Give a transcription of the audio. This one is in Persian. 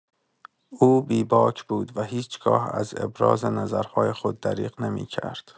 او بی‌باک بود و هیچ‌گاه از ابراز نظرهای خود دریغ نمی‌کرد.